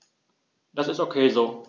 Das ist ok so.